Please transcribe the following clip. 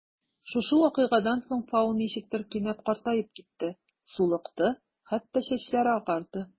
Шушы вакыйгадан соң Фау ничектер кинәт картаеп китте: сулыкты, хәтта чәчләре агарды.